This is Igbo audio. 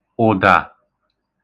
ụ̀dà